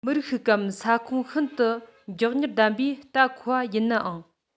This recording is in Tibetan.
མི རིགས ཤིག གམ ས ཁོངས ཤིག ཏུ མགྱོགས མྱུར ལྡན པའི རྟ མཁོ བ ནའང